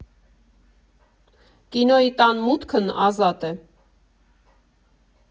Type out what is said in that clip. Կինոյի տան մուտքն ազատ է։